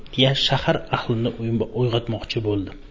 deya shahar ahlini o'yg'otmokchi bo'ldi